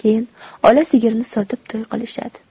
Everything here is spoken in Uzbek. keyin ola sigirni sotib to'y qilishadi